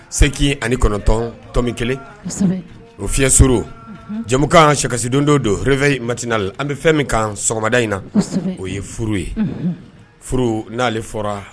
Seki ani kɔnɔntɔntɔn min kelen o fi suru jamukan sikasidon don p matina an bɛ fɛn min kan sɔgɔmada in na o ye furu ye furu naaniale fɔra